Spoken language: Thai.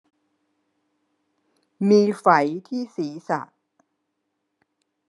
มีไฝที่ศีรษะ